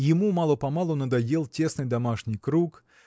Ему мало-помалу надоел тесный домашний круг